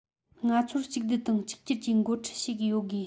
ང ཚོར གཅིག སྡུད དང གཅིག གྱུར གྱི འགོ ཁྲིད ཡོད དགོས